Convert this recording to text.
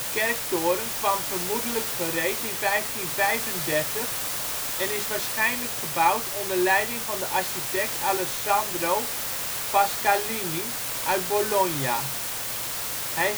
kerktoren kwam vermoedelijk gereed in 1535 en is waarschijnlijk gebouwd onder leiding van de architect Alessandro Pasqualini uit Bologna. Hij